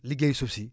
liggéey suuf si